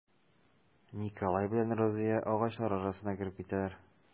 Николай белән Разия агачлар арасына кереп китәләр.